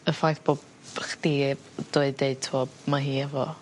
Y ffaith bo' bo' chdi doi deud t'wo' mae hi efo...